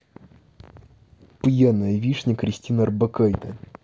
пьяная вишня кристина орбакайте